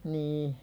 niin